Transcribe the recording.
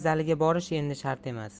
zaliga borish endi shart emas